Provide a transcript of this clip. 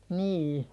niin